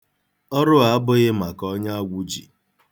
Ọrụ a abụghị maka onye agwụ ji.